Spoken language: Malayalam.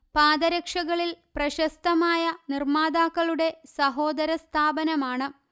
പാദരക്ഷകളിൽ പ്രശസ്തമായ നിർമാതാക്കളുടെ സഹോദര സ്ഥാപനമാണ്